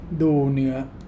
ดูเนื้อ